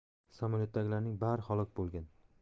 samolyotdagilarning bari halok bo'lgan